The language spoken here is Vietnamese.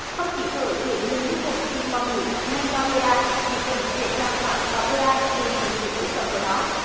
không khí thở chứa nhiều vi khuẩn khi qua mũi ngang qua vê a vi khuẩn dễ dàng bám vào vê a nhờ diện tiếp xúc rộng của nó